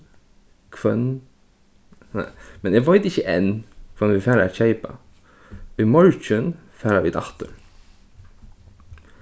hvønn men eg veit ikki enn hvønn vit fara at keypa í morgin fara vit aftur